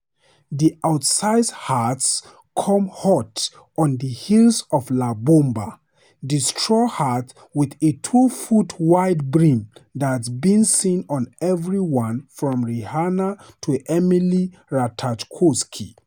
The out-sized hats come hot on the heels of 'La Bomba', the straw hat with a two-foot wide brim that's been seen on everyone from Rihanna to Emily Ratajkowski.